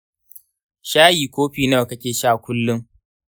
shayi kopi nawa kake sha kullum?